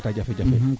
nu soxla ee kaaga